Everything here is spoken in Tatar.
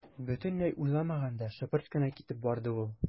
Бөтенләй уйламаганда шыпырт кына китеп барды ул.